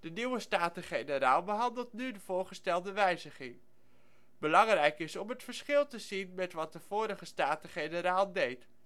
nieuwe Staten-Generaal behandelt nu de voorgestelde wijziging. Belangrijk is om het verschil in te zien met wat de vorige Staten-Generaal deed